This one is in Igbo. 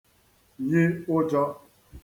yi ụjọ